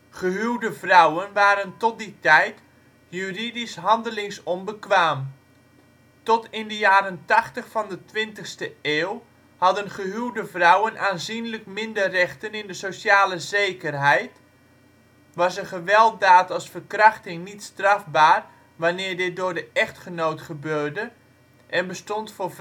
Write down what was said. Gehuwde vrouwen waren tot die tijd juridisch handelingsonbekwaam. Tot in de jaren tachtig van de twintigste eeuw hadden gehuwde vrouwen aanzienlijk minder rechten in de sociale zekerheid, was een gewelddaad als verkrachting niet strafbaar wanneer dit door de echtgenoot gebeurde en bestond voor